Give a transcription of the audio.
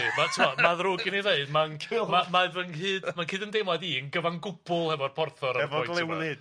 Ma' t'bo' ma'n ddrwg i ni ddweud, ma'n g- ma' mae fy nghyd- ac mae cyd ymdeimlad i yn gyfan gwbwl efo'r porthor ar y pwynt yma. Efo Glewlyd.